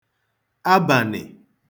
abànị̀